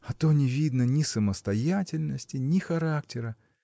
а то не видно ни самостоятельности, ни характера.